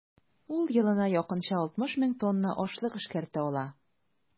Ул елына якынча 60 мең тонна ашлык эшкәртә ала.